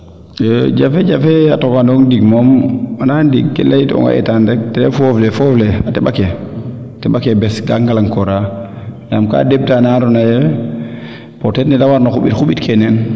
jafe jafe a toka noong ndiing moom anda ndiing ke ley toonga etaan rek ten ref foof le a teɓake ka ngalang koora yaaam ka deɓta na ando naye to neete warna xumbit xumbit kee neene